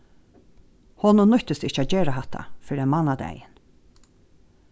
honum nýttist ikki at gera hatta fyrr enn mánadagin